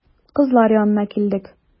Кызлар янына килдек.